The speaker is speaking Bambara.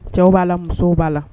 Cɛw b'a la musow b'a la